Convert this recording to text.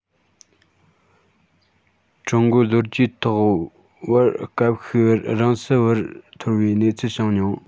ཀྲུང གོའི ལོ རྒྱུས ཐོག བར སྐབས ཤིག རིང སིལ བུར འཐོར བའི གནས ཚུལ བྱུང མྱོང